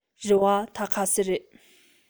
རེ བ ད ག ཟེ རེད